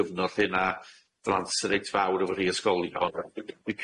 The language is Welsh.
gyfnod lle 'na blant sy'n reit fawr efo rhei ysgolion dwi'n